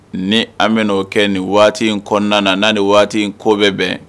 Ni an bɛ'o kɛ nin waati in kɔnɔna na n'a ni waati in ko bɛ bɛn